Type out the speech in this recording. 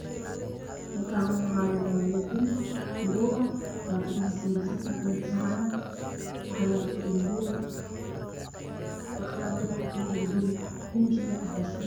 Waa qol mugdi ah fadhi ayaa yaalla qof ayaa fadhiya daaqada waxaa ka dambeeya guri dabaq oo aada u dheer